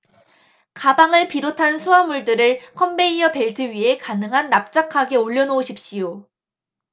가방을 비롯한 수하물들을 컨베이어 벨트 위에 가능한 한 납작하게 올려놓으십시오